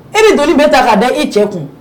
I ni don bɛ ta k'a da i cɛ kun